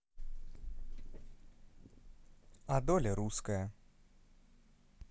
a доля русская